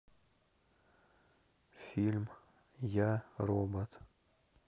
фильм я робот